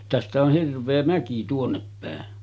tästä on hirveä mäki tuonnepäin